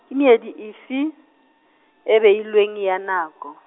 ke meedi efe, e beilweng ya nako?